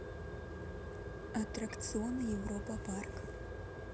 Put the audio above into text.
аттракционы европа парк